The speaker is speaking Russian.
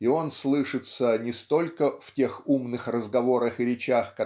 И он слышится не столько в тех умных разговорах и речах